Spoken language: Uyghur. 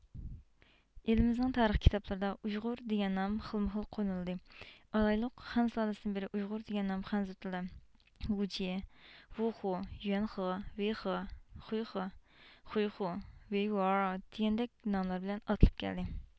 ئېلىمىزنىڭ تارىخ كىتابلىرىدا ئۇيغۇر دېگەن نام خىلمۇ خىل قوللىنىلدى ئالايلۇق خەن سۇلالىسىدىن بېرى ئۇيغۇر دېگەن نام خەنزۇ تىلىدا ۋۇجيې ۋۇخۇ يۈەنخې ۋېيخې خۇيخې خۇيخۇ ۋېيۋۇئېر دېگەندەك ناملار بىلەن ئاتىلىپ كەلدى